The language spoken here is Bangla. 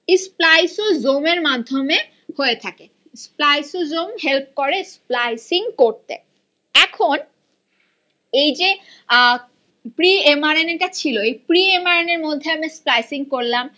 স্প্লাইসোজোমের মাধ্যমে হয়ে থাকে স্প্লাইসোজোম হেল্প করে স্প্লাইসিং করতে এখন এই যে প্রি এম আর এন এটা ছিল এই প্রি এম আর এন এর মধ্যে আমরা স্প্লাইসিং করলাম